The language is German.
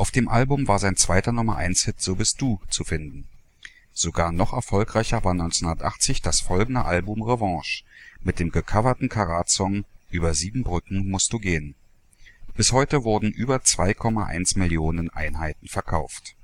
dem Album war sein zweiter Nummer-eins-Hit So Bist Du zu finden. Sogar noch erfolgreicher war 1980 das folgende Album Revanche mit dem gecoverten Karat-Song Über sieben Brücken musst du gehn. Bis heute wurden über 2,1 Millionen Einheiten verkauft